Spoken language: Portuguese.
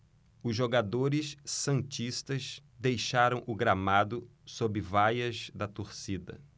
os jogadores santistas deixaram o gramado sob vaias da torcida